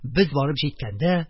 Без барып җиткәндә,